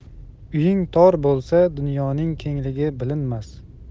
uying tor bo'lsa dunyoning kengligi bilinmas